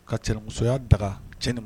Ka cɛmusoya daga cɛin